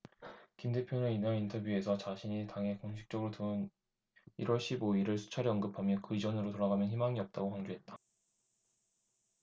김 대표는 이날 인터뷰에서 자신이 당에 공식적으로 들어온 일 월 십 오 일을 수차례 언급하며 그 이전으로 돌아가면 희망이 없다고 강조했다